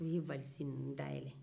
an ye wlizi ninnu dayɛlɛn